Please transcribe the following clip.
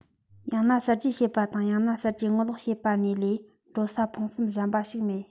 ཡང ན གསར བརྗེ བྱེད པ དང ཡང ན གསར བརྗེར ངོ ལོག བྱེད པ གཉིས ལས འགྲོ ས ཕུང གསུམ པ གཞན ཞིག མེད